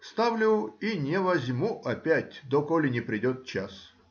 Ставлю и не возьму опять, доколе не придет час.